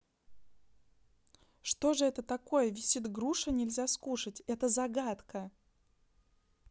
что же это такое висит груша нельзя скушать это загадка